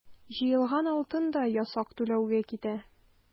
Җыелган алтын да ясак түләүгә китә.